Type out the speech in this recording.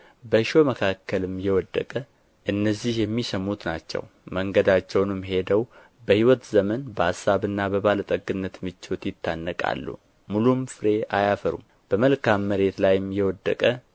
በእሾህ መካከልም የወደቀ እነዚህ የሚሰሙት ናቸው መንገዳቸውንም ሄደው በሕይወት ዘመን በአሳብና በባለ ጠግነት ምቾት ይታነቃሉ ሙሉ ፍሬም አያፈሩም በመልካም መሬት ላይም የወደቀ